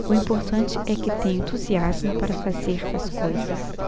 o importante é que tenho entusiasmo para fazer as coisas